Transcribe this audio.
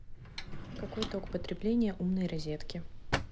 какой ток потребления умной розетки